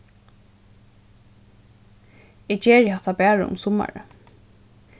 eg geri hatta bara um summarið